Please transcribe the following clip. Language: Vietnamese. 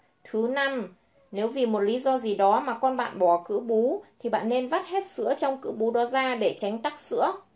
nếu vì lý do gì đó mà con bạn bỏ cữ bú thì bạn nên vắt hết sữa trong cữ đó ra để tránh tắc sữa